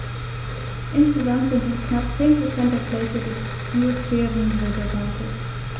Insgesamt sind dies knapp 10 % der Fläche des Biosphärenreservates.